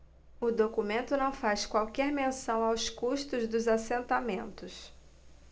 o documento não faz qualquer menção aos custos dos assentamentos